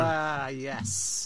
Ah yes!